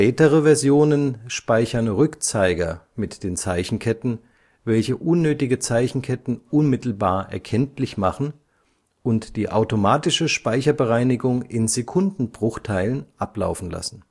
Spätere Versionen (ab 4.0) speichern Rückzeiger mit den Zeichenketten, welche unnötige Zeichenketten unmittelbar erkenntlich machen und die automatische Speicherbereinigung in Sekundenbruchteilen ablaufen lassen